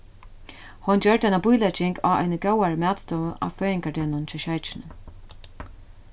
hon gjørdi eina bílegging á eini góðari matstovu á føðingardegnum hjá sjeikinum